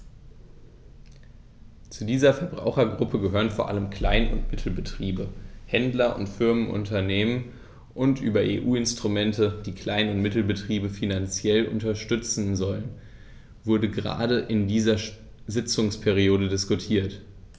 Zu dieser Verbrauchergruppe gehören vor allem Klein- und Mittelbetriebe, Händler und Familienunternehmen, und über EU-Instrumente, die Klein- und Mittelbetriebe finanziell unterstützen sollen, wurde gerade in dieser Sitzungsperiode diskutiert.